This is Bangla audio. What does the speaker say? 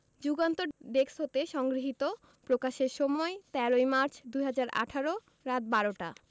যুগান্তর ডেস্ক হতে সংগৃহীত প্রকাশের সময় ১৩ মার্চ ২০১৮ রাত ১২:০০ টা